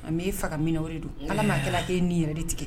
A e faga minɛ o don ala maa kɛ k'e nin yɛrɛ tigɛ